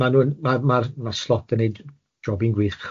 Ma' nw'n ma- ma'r ma'r Slot yn neud jobyn gwych wrth gwrs... Ydy...